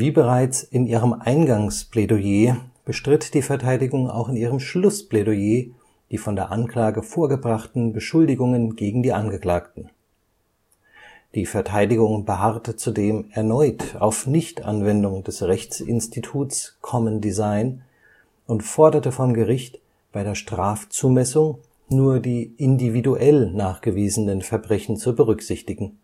bereits in ihrem Eingangsplädoyer bestritt die Verteidigung auch in ihrem Schlussplädoyer die von der Anklage vorgebrachten Beschuldigungen gegen die Angeklagten. Die Verteidigung beharrte zudem erneut auf Nichtanwendung des Rechtsinstituts Common Design und forderte vom Gericht, bei der Strafzumessung nur die individuell nachgewiesenen Verbrechen zu berücksichtigen